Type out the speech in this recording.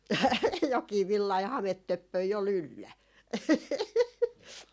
jokin villainen hametöppönen oli yllä